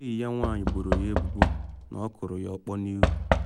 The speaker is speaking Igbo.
Enyi ya nwanyị boro ya ebubo na ọ kụrụ ya ọkpọ n’ihu.